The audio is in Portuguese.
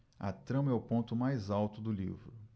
a trama é o ponto mais alto do livro